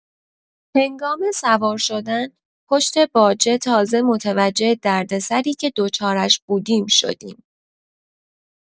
هنگام سوار شدن، پشت باجه تازه متوجه دردسری که دچارش بودیم شدیم.